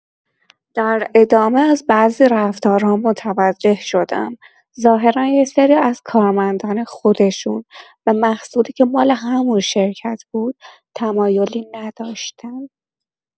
در ادامه از بعضی رفتارها متوجه شدم ظاهرا یه سری از کارمندان خودشون به محصولی که مال همون شرکت بود، تمایلی نداشتن.